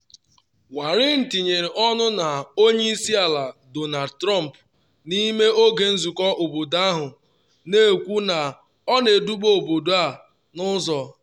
Warren tinyere ọnụ na Onye Isi Ala Donald Trump n’ime oge nzụkọ obodo ahụ, na-ekwu na ọ “na-eduba obodo a n’ụzọ adịghị mma.